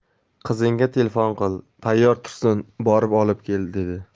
qizingga telefon qil tayyor tursin borib olib kel dedi